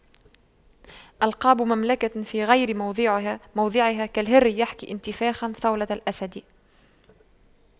ألقاب مملكة في غير موضعها كالهر يحكي انتفاخا صولة الأسد